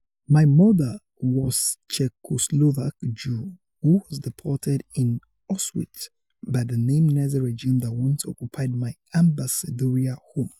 My mother was a Czechoslovak Jew who was deported to Auschwitz by the same Nazi regime that once occupied my ambassadorial home.